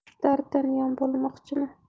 dartanyan bo'lmoqchimi